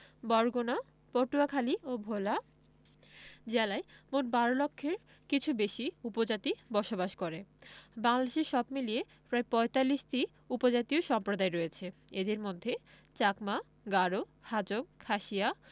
বরগুনা পটুয়াখালী ও ভোলা জেলায় মোট ১২ লক্ষের কিছু বেশি উপজাতি বসবাস করে বাংলাদেশে সব মিলিয়ে প্রায় ৪৫টি উপজাতীয় সম্প্রদায় রয়েছে এদের মধ্যে চাকমা গারো হাজং খাসিয়া